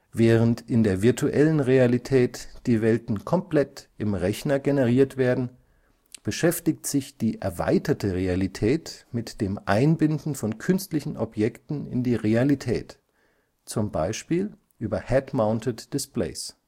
Während in der virtuellen Realität die Welten komplett im Rechner generiert werden, beschäftigt sich die erweiterte Realität mit dem Einbinden von künstlichen Objekten in die Realität, zum Beispiel über Head-Mounted Displays